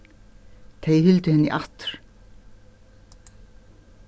tey hildu henni aftur